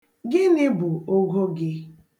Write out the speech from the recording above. Gịnị bụ ogo gị?